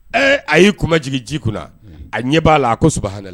Ɛ a y'i kumaj ji kunna a ɲɛ b'a la a koha